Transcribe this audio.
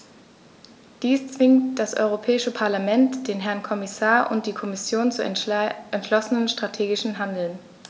Dies zwingt das Europäische Parlament, den Herrn Kommissar und die Kommission zu entschlossenem strategischen Handeln.